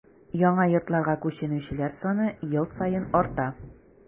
Яңа йортларга күченүчеләр саны ел саен арта.